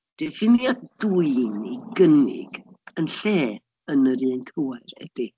Diffiniad dwi'n ei gynnig yn lle "yn yr un cywair", ydy...